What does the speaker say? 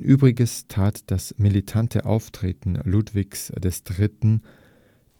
übriges tat das militante Auftreten Ludwigs III,